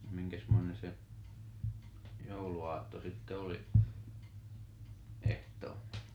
minkäsmoinen se jouluaatto sitten oli ehtoo